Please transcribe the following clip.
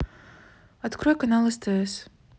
открой канал стс